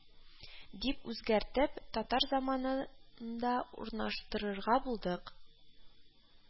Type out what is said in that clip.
Дип үзгәртеп, татар заманы нда урнаштырырга булдык